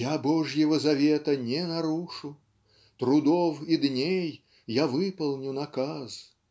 Я Божьего завета не нарушу, Трудов и дней я выполню наказ,